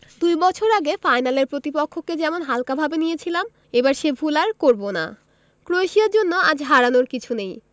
দুই বছর আগে ফাইনালের প্রতিপক্ষকে যেমন হালকাভাবে নিয়েছিলাম এবার সে ভুল আর করব না ক্রোয়েশিয়ার জন্য আজ হারানোর কিছু নেই